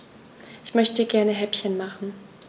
Ich möchte gerne Häppchen machen.